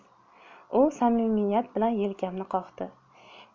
u samimiyat bilan yelkamga qoqdi